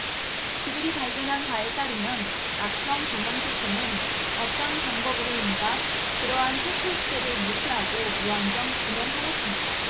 그들이 발견한 바에 따르면 악성 종양 세포는 어떤 방법으로인가 그러한 세포 시계를 무시하고 무한정 분열하였습니다